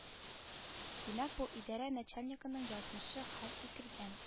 Димәк бу идарә начальнигының язмышы хәл ителгән